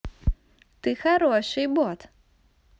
ты хороший бот